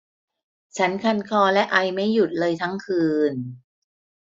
ฉันคันคอและไอไม่หยุดเลยทั้งคืน